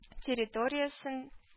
Территориясен